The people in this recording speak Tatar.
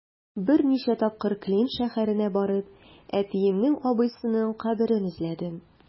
Берничә тапкыр Клин шәһәренә барып, әтиемнең абыйсының каберен эзләдем.